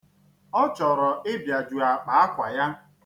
Ọ chọrọ ịbịaju akpa akwa ya.